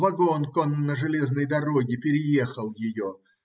вагон конно-железной дороги переехал ее.